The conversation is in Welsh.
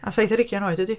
A saith ar hugain oed ydy.